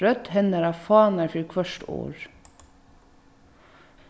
rødd hennara fánar fyri hvørt orð